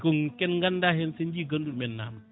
ɗum ken ganda hen sen jii ganduɗo men namdo